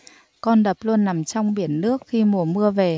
con đập luôn nằm trong biển nước khi mùa mưa về